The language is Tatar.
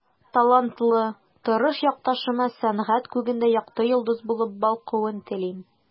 Талантлы, тырыш якташыма сәнгать күгендә якты йолдыз булып балкуын телим.